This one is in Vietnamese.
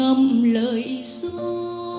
ngậm lời ru